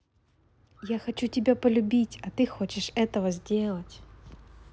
я хочу тебя полюбить а ты хочешь этого сделать